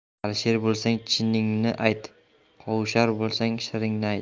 alishar bo'lsang chiningni ayt qovushar bo'lsang siringni ayt